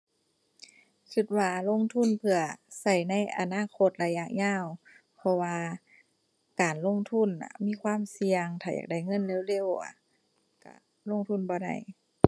คิดว่าลงทุนเพื่อคิดในอนาคตระยะยาว เพราะว่าการลงทุนน่ะมีความเสี่ยง ถ้าอยากได้เงินเร็วเร็วอะ คิดลงทุนบ่ได้